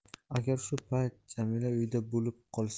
agar shu payt jamila uyda bo'lib qolsa